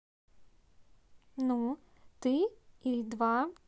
ну ты и два